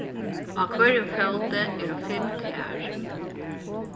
á hvørjum fóti eru fimm tær